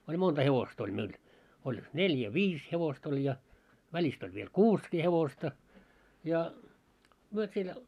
oli monta hevosta oli meillä oli neljä viisi hevosta oli ja välistä oli vielä kuusikin hevosta ja me siellä